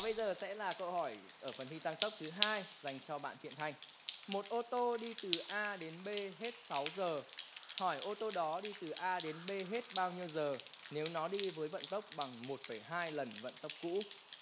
bây giờ sẽ là câu hỏi ở phần thi tăng tốc thứ hai dành cho bạn thiện thanh một ô tô đi từ a đến bê hết sáu giờ hỏi ô tô đó đi từ a đến bê hết bao nhiêu giờ nếu nó đi với vận tốc bằng một phẩy hai lần vận tốc cũ